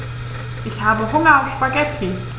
Ich habe Hunger auf Spaghetti.